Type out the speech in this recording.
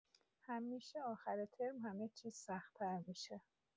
همیشه آخر ترم همه چیز سخت‌تر می‌شه